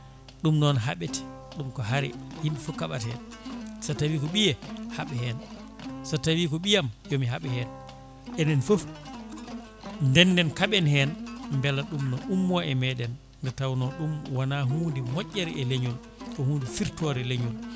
ɗum noon haaɓete ɗum ko haare yimɓe foof kaɓata hen so tawi ko ɓiiye haaɓ hen so tawi ko ɓiiyam yoomi haaɓ hen enen foof denden kaaɓen hen beela ɗum ne ummo e meɗen nde tawno ɗum wona hunde moƴƴere e leeñol ko hunde fortore leeñol